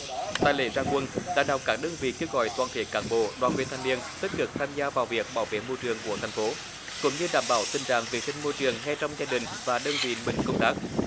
tại lễ ra quân lãnh đạo các đơn vị kêu gọi toàn thể cán bộ đoàn viên thanh niên tích cực tham gia vào việc bảo vệ môi trường của thành phố cũng như đảm bảo tình trạng vệ sinh môi trường ngay trong gia đình và đơn vị mình công tác